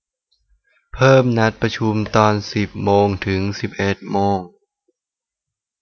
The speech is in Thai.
เพิ่มนัดประชุมตอนสิบโมงถึงสิบเอ็ดโมง